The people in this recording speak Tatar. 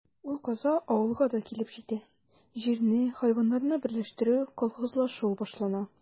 Ул каза авылга да килеп җитә: җирне, хайваннарны берләштерү, колхозлашу башлана.